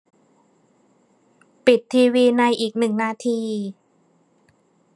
ปิดทีวีในอีกหนึ่งนาที